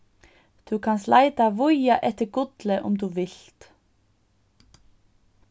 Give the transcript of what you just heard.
tú kanst leita víða eftir gulli um tú vilt